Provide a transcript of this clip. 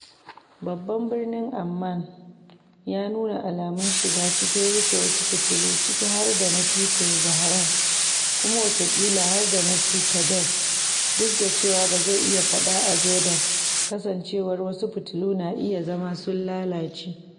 Babban birnin Amman ya nuna alamun shiga cikin rufe wasu fitilu, ciki har da na titin Zahran, kuma wataƙila har da na Citadel (duk da cewa ba zan iya faɗa a Jordan, kasancewar wasu fitilu na iya zama sun lalace).